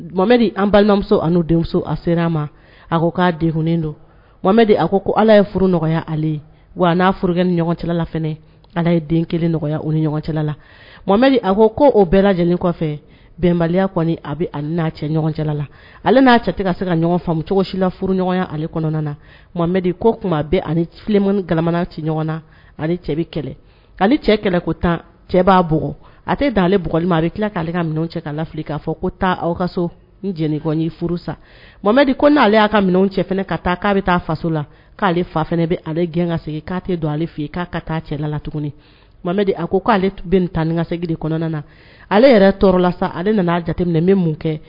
An balimamuso ani denmuso a sera ma a ko k'ak don a ko ala ye furu ale wa n'a furuk ni ɲɔgɔn cɛla la ala ye den kelen nɔgɔya ni ɲɔgɔn cɛla la a ko ko o bɛɛ lajɛlen kɔfɛ bɛnbaliya kɔni a na cɛ ɲɔgɔn la ale n'a cɛ ka se ka ɲɔgɔnmu cogosi la ɲɔgɔnya ale na ko tuma bɛ ani fimana ci ɲɔgɔn na ale cɛ kɛlɛ'ale cɛ kɛlɛ ko tan cɛ b'a bɔ a tɛ da ale bli a bɛ tila k'ale ka cɛ' fili k'a fɔ ko taa aw ka soeni furu sa mama ko n'ale y'a ka minɛn cɛ ka taa k'a bɛ taa faso la k'ale fa fana bɛ ale gɛn ka k'a tɛ don ale fɔ k'a ka taa cɛla lat tuguni a k'ale tun bɛ tan ni ka segin kɔnɔna na ale yɛrɛ tɔɔrɔ la sa ale nana nan a jateminɛ n bɛ mun kɛ